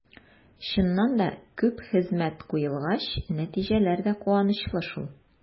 Чыннан да, күп хезмәт куелгач, нәтиҗәләр дә куанычлы шул.